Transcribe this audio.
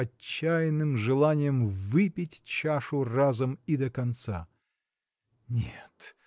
отчаянным желанием выпить чашу разом и до конца. – Нет!